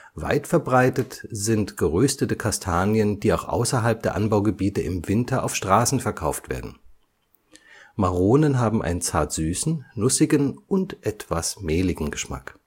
Weit verbreitet sind geröstete Kastanien, die auch außerhalb der Anbaugebiete im Winter auf Straßen verkauft werden. Maronen haben einen zart süßen, nussigen und etwas mehligen Geschmack